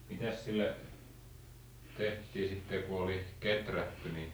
mitäs sille tehtiin sitten kun oli kehrätty niin